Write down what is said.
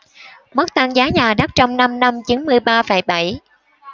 mức tăng giá nhà đất trong năm năm chín mươi ba phẩy bảy